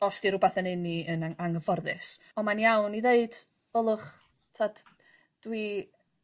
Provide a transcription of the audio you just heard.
os 'di rwbath yn neu' ni yn ang- anghyfforddus ond ma'n iawn i ddeud ylwch t'od dwi